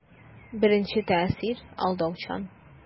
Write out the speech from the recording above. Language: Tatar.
Беренче тәэсир алдаучан.